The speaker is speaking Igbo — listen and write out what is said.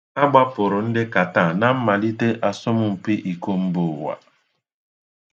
A gbapụrụ ndị Kataa na mmalite asọmụmpi iko mbụụwa.